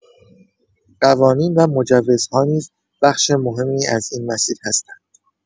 قوانین و مجوزها نیز بخش مهمی از این مسیر هستند.